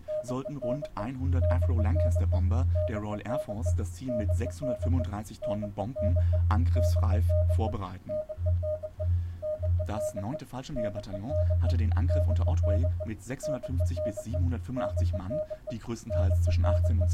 100 Avro-Lancaster-Bomber der Royal Air Force das Ziel mit 635 Tonnen Bomben angriffsreif vorbereiten. Das 9. Fallschirmjägerbataillon hatte den Angriff unter Otway mit 650 bis 785 Mann, die größtenteils zwischen 18